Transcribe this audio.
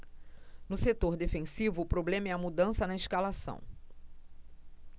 no setor defensivo o problema é a mudança na escalação